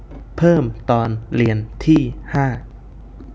เพิ่มตอนเรียนที่ห้า